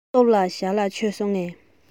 སྟོབས ལགས ཞལ ལག མཆོད སོང ངས